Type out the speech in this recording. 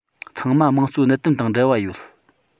ཚང མ དམངས གཙོའི གནད དོན དང འབྲེལ བ ཡོད